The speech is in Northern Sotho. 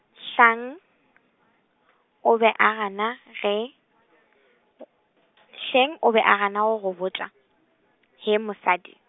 tlang , o be o gana ge, hleng o be a ganago go botša, hee mosadi?